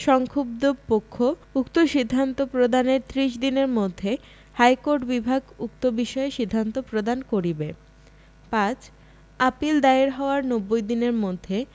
সংক্ষুব্ধ পক্ষ উক্ত সিদ্ধান্ত প্রদানের ত্রিশ দিনের মধ্যে হাইকোর্ট বিভাগ উক্ত বিষয়ে সিদ্ধান্ত প্রদান করিবে ৫ আপীল দায়ের হওয়ার নব্বই দিনের মধ্যে